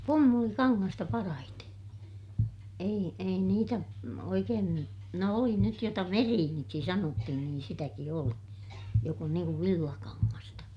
pumpulikangasta parhaiten ei ei niitä no oikein nyt no oli nyt jota veriiniksi sanottiin niin sitäkin oli joka on niin kuin villakangasta